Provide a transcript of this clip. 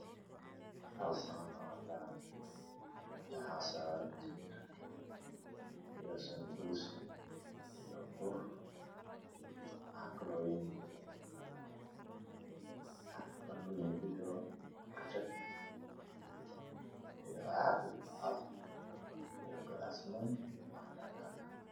Waxa saran timir saan saanbuus iyo bur waxa kaloo ii muuqda kajab